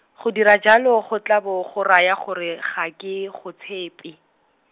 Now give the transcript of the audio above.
go dira jalo go tla bo go raya gore ga ke, go tshepe.